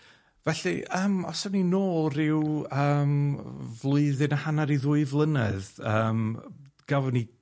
Felly, yym, os ewn ni nôl ryw, yym, flwyddyn a hanner i ddwy flynedd, yym, gafon ni